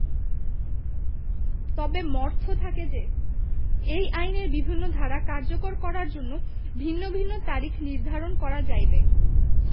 তবে মর্থ থাকে যে এই আইনের বিভিন্ন ধারা কার্যকর করার জন্য ভিন্ন ভিন্ন তারিখ নির্ধারণ করা যাইবে